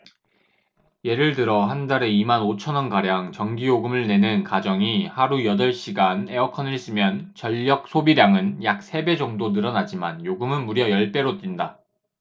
예를 들어 한 달에 이 만 오천 원가량 전기요금을 내는 가정이 하루 여덟 시간 에어컨을 쓰면 전력 소비량은 약 세 배 정도 늘어나지만 요금은 무려 열 배로 뛴다